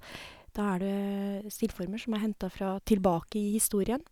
Da er det stilformer som er henta fra tilbake i historien.